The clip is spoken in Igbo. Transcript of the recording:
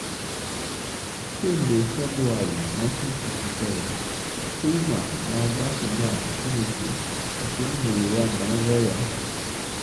Taa, ọgba ya nwere ọnụ ụlọ 24 ma na-amụba.